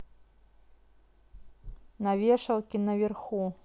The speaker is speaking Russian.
на вешалке на верху